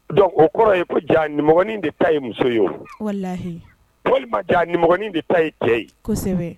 Don o kɔrɔ ye ko ja niin de ta ye muso ye paul ja niin de ta ye cɛ ye